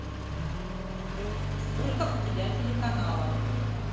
сколько у тебя телеканалов